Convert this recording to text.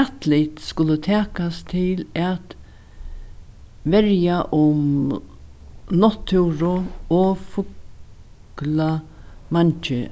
atlit skulu takast til at verja um náttúru og fuglameingi